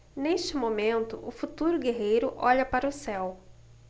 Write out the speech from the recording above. neste momento o futuro guerreiro olha para o céu